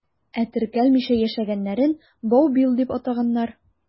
Ә теркәлмичә яшәгәннәрен «баубил» дип атаганнар.